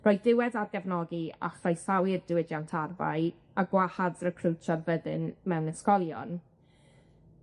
Rhoi diwedd ar gefnogi a chroesawu'r diwydiant arfau, a gwahardd recriwtio'r fyddin mewn ysgolion.